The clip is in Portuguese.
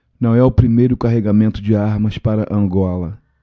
não é o primeiro carregamento de armas para angola